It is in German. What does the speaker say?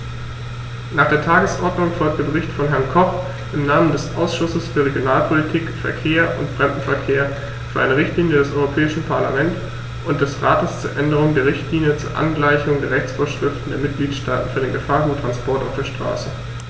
Nach der Tagesordnung folgt der Bericht von Herrn Koch im Namen des Ausschusses für Regionalpolitik, Verkehr und Fremdenverkehr für eine Richtlinie des Europäischen Parlament und des Rates zur Änderung der Richtlinie zur Angleichung der Rechtsvorschriften der Mitgliedstaaten für den Gefahrguttransport auf der Straße.